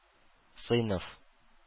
Сыйныф